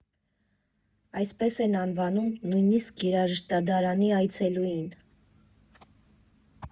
Այսպես են անվանում նույնիսկ երաժշտադարանի այցելուին։